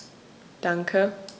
Danke.